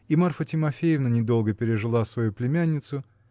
и Марфа Тимофеевна не долго пережила свою племянницу